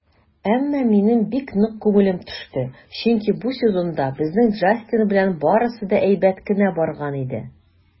Әмма минем бик нык күңелем төште, чөнки бу сезонда безнең Джастин белән барысы да әйбәт кенә барган иде.